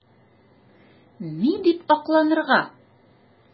Ни дип акланырга?